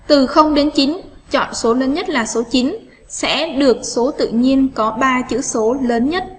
từ đến chọn số lớn nhất là số sẽ được số tự nhiên có ba chữ số lớn nhất